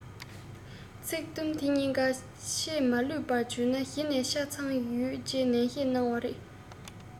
ཚིག དུམ དེ གཉིས ཀ ཆད ལུས མེད པར བརྗོད ན གཞི ནས ཆ ཚང ཡོད ཅེས ནན བཤད གནང བ རེད